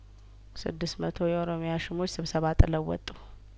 ስድስት መቶ የኦሮሚያ ሹሞች ስብሰባ ጥለው ወጡ